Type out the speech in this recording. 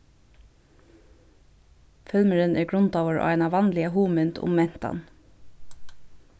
filmurin er grundaður á eina vanliga hugmynd um mentan